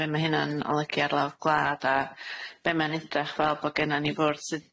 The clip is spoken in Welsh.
Be' ma' hynna'n olygu ar lawr gwlad, a be' mae'n edrach fel bo' gennan ni fwrdd sydd